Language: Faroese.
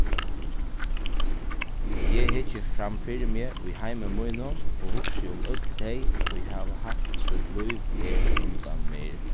eg hyggi fram fyri meg í heimi mínum og hugsi um øll tey ið hava havt sítt lív her undan mær